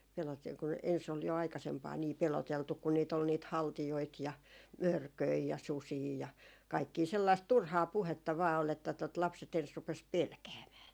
- kun ensin oli jo aikaisempaan niin peloteltu kun niitä oli niitä haltijoita ja mörköjä ja susia ja kaikkia sellaista turhaa puhetta vain oli että tuota lapset ensin rupesi pelkäämään